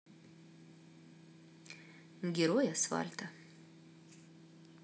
герой асфальта